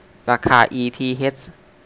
ราคาอีทีเฮช